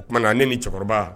O tumaumana na ne ni cɛkɔrɔba